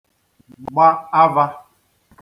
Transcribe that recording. gba avā